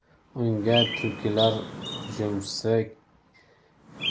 unga tulkilar hujumchisi